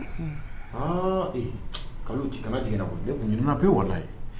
Haa ,e ka na o ci ne kun ɲinɛna pew walaye.